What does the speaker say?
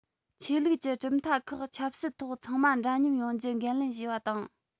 ཆོས ལུགས ཀྱི གྲུབ མཐའ ཁག ཆབ སྲིད ཐོག ཚང མ འདྲ མཉམ ཡོང རྒྱུ འགན ལེན བྱས པ དང